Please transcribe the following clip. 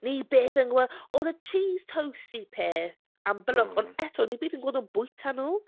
Ni byth yn gwe... oedd y cheese toasty peth am but look... mm ...ond eto ni byth yn gweld nhw'n bwyta nhw.